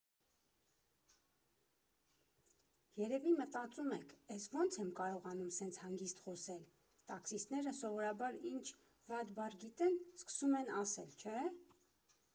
Երևի մտածում եք՝ էս ո՞ց եմ կարողանում սենց հանգիստ խոսել, տաքսիստները սովորաբար ինչ վատ բառ գիտեն, սկսում են ասել, չէ՞։